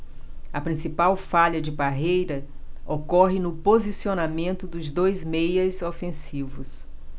a principal falha de parreira ocorre no posicionamento dos dois meias ofensivos